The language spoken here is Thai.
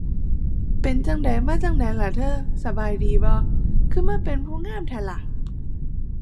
เป็นจั่งใด มาจั่งใดล่ะเธอ สบายดีบ่ คือมาเป็นผู้งามแท้ล่ะ